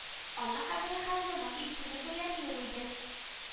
Аның хәзергә хәтле мондый исемне күргәне юк иде